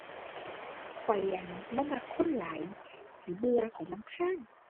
ข้อย อั่น บ่มักคนหลาย ข้อยเบื่อ ข้อยรำคาญ